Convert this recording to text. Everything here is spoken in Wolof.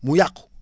mu yàqu